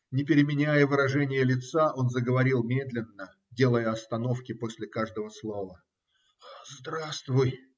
Не переменяя выражения лица, он заговорил медленно, делая остановки после каждого слова - Здравствуй.